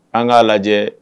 An ŋ'a lajɛ